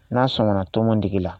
N'a sɔnna toon digi la